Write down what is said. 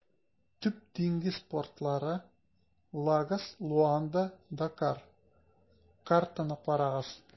Төп диңгез портлары - Лагос, Луанда, Дакар (картаны карагыз).